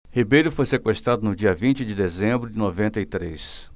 ribeiro foi sequestrado no dia vinte de dezembro de noventa e três